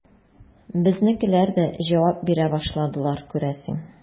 Безнекеләр дә җавап бирә башладылар, күрәсең.